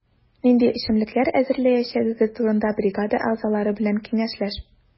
Нинди эчемлекләр әзерләячәгегез турында бригада әгъзалары белән киңәшләш.